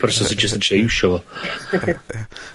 person sy jyst yn isie iwsio fo.